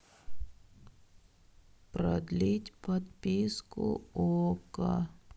продлить подписку окко